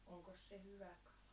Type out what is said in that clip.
onkos se hyvä kala